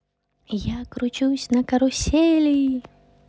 я кручусь на карусели